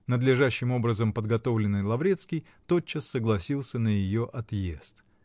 Надлежащим образом подготовленный, Лаврецкий тотчас согласился на ее отъезд.